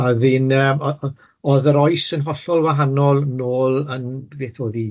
O'dd i'n yym o- o- o'dd yr oes yn hollol wahanol nôl yn beth o'dd i?